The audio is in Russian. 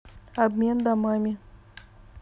обмен домами